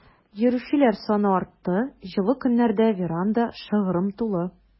Йөрүчеләр саны артты, җылы көннәрдә веранда шыгрым тулы.